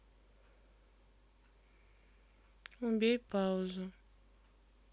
убей паузу